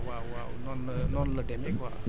waaw waaw waaw noonu noonu la demee quoi